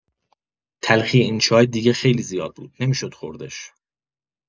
تلخی این چای دیگه خیلی زیاد بود، نمی‌شد خوردش.